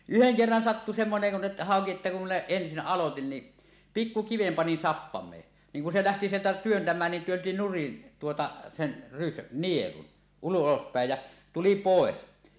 yhden kerran sattui semmoinen kuin että hauki että kun minä ensin aloitin niin pikku kiven panin sappameen niin kun se lähti sieltä työntämään niin työnsi nurin tuota sen - nielun ulospäin ja tuli pois